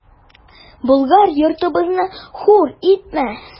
Болгар йортыбызны хур итмә!